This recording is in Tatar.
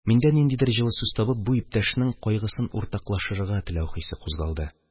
Миндә, ниндидер җылы сүз табып, бу иптәшнең кайгысын уртаклашырга теләү хисе кузгалды